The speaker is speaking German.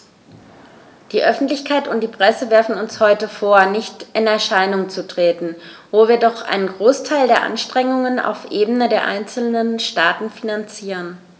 Die Öffentlichkeit und die Presse werfen uns heute vor, nicht in Erscheinung zu treten, wo wir doch einen Großteil der Anstrengungen auf Ebene der einzelnen Staaten finanzieren.